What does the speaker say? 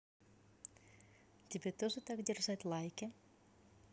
тебе тоже так держать лайки